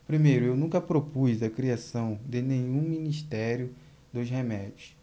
primeiro eu nunca propus a criação de nenhum ministério dos remédios